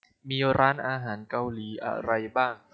มีร้านอาหารเกาหลีอะไรบ้าง